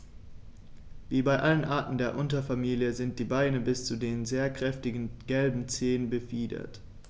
Wie bei allen Arten der Unterfamilie sind die Beine bis zu den sehr kräftigen gelben Zehen befiedert.